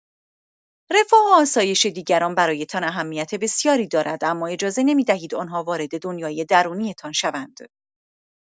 رفاه و آسایش دیگران برایتان اهمیت بسیاری دارد، اما اجازه نمی‌دهید آن‌ها وارد دنیای درونی‌تان شوند.